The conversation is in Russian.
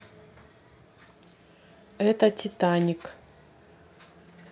это титаник